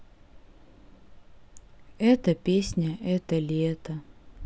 это песня это лето